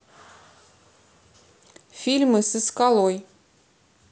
фильмы со скалой